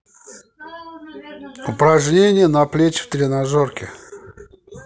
упражнения на плечи в тренажерке